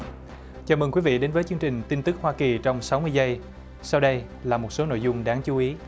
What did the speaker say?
chào mừng quý vị đến với chương trình tin tức hoa kỳ trong sáu mươi giây sau đây là một số nội dung đáng chú ý